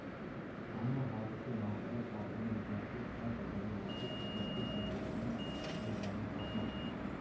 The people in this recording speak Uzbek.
ammo hozircha mas'ullar tartibni o'zgartirish shart ekanini aytib tashabbus ko'rsatishdan o'zlarini tortmoqdalar